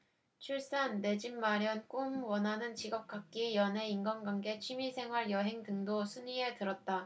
출산 내 집 마련 꿈 원하는 직업 갖기 연애 인간관계 취미생활 여행 등도 순위에 들었다